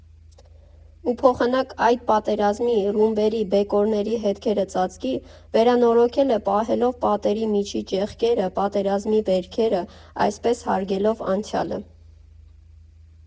Ու փոխանակ այդ պատերազմի, ռումբերի, բեկորների հետքերը ծածկի, վերանորոգել է՝ պահելով պատերի միջի ճեղքերը, պատերազմի վերքերը, այսպես հարգելով անցյալը։